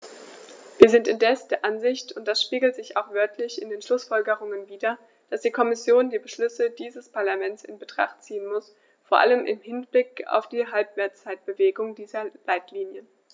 Wir sind indes der Ansicht und das spiegelt sich auch wörtlich in den Schlussfolgerungen wider, dass die Kommission die Beschlüsse dieses Parlaments in Betracht ziehen muss, vor allem im Hinblick auf die Halbzeitbewertung dieser Leitlinien.